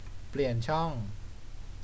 เปลี่ยนช่อง